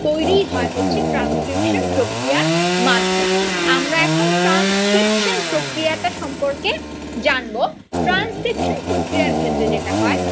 তৈরি হয় হচ্ছে ট্রান্সক্রিপশন প্রক্রিয়ার মাধ্যমে আমরা এখন ট্রান্সক্রিপশন প্রক্রিয়াটার সম্পর্কে জানব ট্রান্সক্রিপশন প্রক্রিয়ার ক্ষেত্রে যেটা হয়